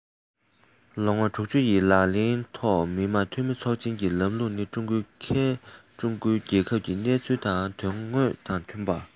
ལོ ངོ ཡི ལག ལེན གྱི ཐོག ནས མི དམངས འཐུས མི ཚོགས ཆེན གྱི ལམ ལུགས ནི ཀྲུང གོའི རྒྱལ ཁབ ཀྱི གནས ཚུལ དང དོན དངོས དང མཐུན པ དང